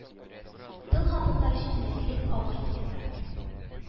Тол хатыннар өчен мәҗлес авыр спектакль